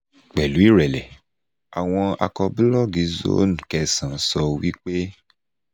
Pẹ̀lú ìrẹ̀lẹ̀, àwọn akọbúlọ́ọ̀gù Zone9 sọ wípé: